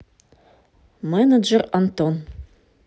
менеджер антон